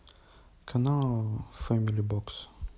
канал фэмили бокс